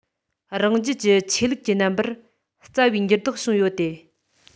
རང རྒྱལ གྱི ཆོས ལུགས ཀྱི རྣམ པར རྩ བའི འགྱུར ལྡོག བྱུང ཡོད དེ